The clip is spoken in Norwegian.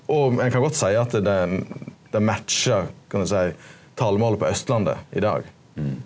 og ein kan godt seia at det det er matchar kan du seie talemålet på Østlandet i dag.